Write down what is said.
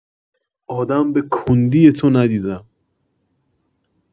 آدم به کندی تو ندیدم